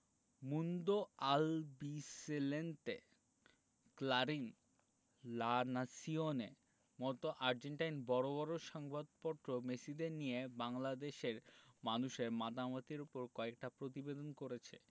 Mundo Albiceleste Clarin La Nacion মতো আর্জেন্টিনার বড় বড় সংবাদপত্র মেসিদের নিয়ে বাংলাদেশের মানুষের মাতামাতির ওপর কয়েকটা প্রতিবেদন করেছে